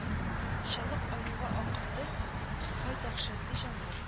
Чалык аюга акырды - һай дәһшәтле җанвар